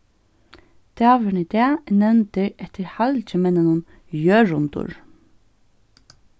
dagurin í dag er nevndur eftir halgimenninum jørundur